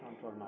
ɗon tolna